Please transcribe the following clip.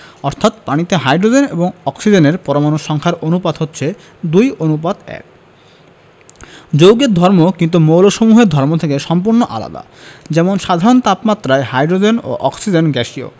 hydrogen ও অক্সিজেনের পরমাণুর সংখ্যার অনুপাত হচ্ছে ২ অনুপাত ১যৌগের ধর্ম কিন্তু মৌলসমূহের ধর্ম থেকে সম্পূর্ণ আলাদা যেমন সাধারণ তাপমাত্রায় হাইড্রোজেন ও অক্সিজেন গ্যাসীয়